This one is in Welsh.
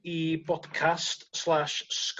i bodcast slash